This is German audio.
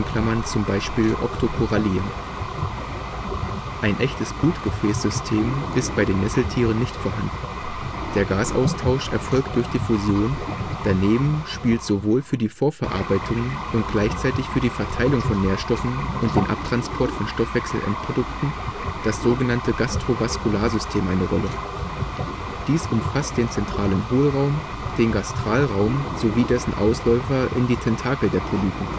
z. B. Octocorallia). Ein echtes Blutgefäßsystem ist bei den Nesseltieren nicht vorhanden. Der Gasaustausch erfolgt durch Diffusion, daneben spielt sowohl für die Vorverarbeitung und gleichzeitig für die Verteilung von Nährstoffen und den Abtransport von Stoffwechselendprodukten das sogenannte Gastrovaskularsystem eine Rolle: Dies umfasst den zentralen Hohlraum, den Gastralraum sowie dessen Ausläufer in die Tentakel der Polypen